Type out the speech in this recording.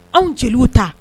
Anw jeliw ta